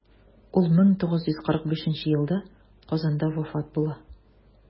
Ул 1945 елда Казанда вафат була.